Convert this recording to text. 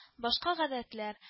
Башка гадәтләр